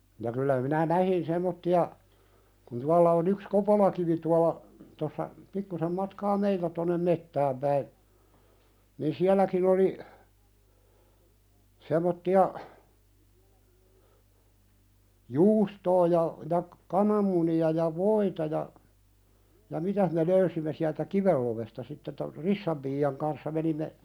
ja kyllä minä näin semmoisia kun tuolla on yksi Kopolakivi tuolla tuossa pikkusen matkaa meiltä tuonne metsään päin niin sielläkin oli semmoisia juustoa ja ja kananmunia ja voita ja ja mitä me löysimme sieltä kiven lovesta sitten tuo Rissan piian kanssa menimme